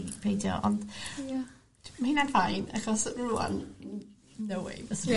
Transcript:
...i peidio ond ... Ia. ...d- ma' hynna'n fine achos rŵan n- no way fyswn...